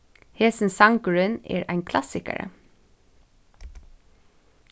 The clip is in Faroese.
hesin sangurin er ein klassikari